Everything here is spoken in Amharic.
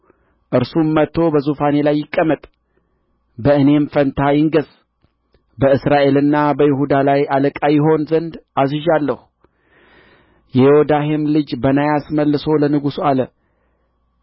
እርሱም መጥቶ በዙፋኔ ላይ ይቀመጥ በእኔም ፋንታ ይንገሥ በእስራኤልና በይሁዳም ላይ አለቃ ይሆን ዘንድ አዝዣለሁ የዮዳሄም ልጅ በናያስ መልሶ ለንጉሡ አለ